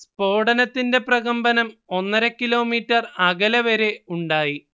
സ്ഫോടനത്തിന്റെ പ്രകമ്പനം ഒന്നര കിലോമീറ്റർ അകലെ വരെ ഉണ്ടായി